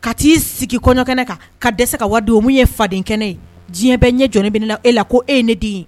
Ka t'i sigi kɔɲɔkɛnɛ ka dɛsɛ ka wari di, o min ye fadenkɛnɛ ye. diɲɛ bɛɛ ɲɛ jɔ bɛ e la. Ko e ye ne den ye.